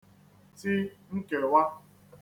ti nkèwa